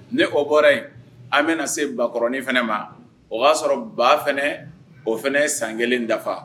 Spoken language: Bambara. Ni o bɔra yen, an bɛna na se bakɔrɔnin fana ma, o b'a sɔrɔ ba fana, o fana ye san 1 dafa